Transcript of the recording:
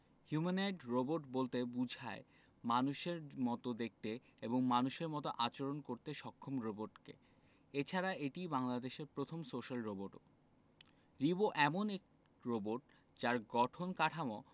humanoid robot বলতে বোঝায় মানুষের মতো দেখতে এবং মানুষের মতো আচরণ করতে সক্ষম রোবটকে এছাড়া এটি বাংলাদেশের প্রথম সোশ্যাল রোবটও রিবো এমন এক রোবট যার গঠন কাঠামো